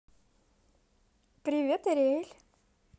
привет ариэль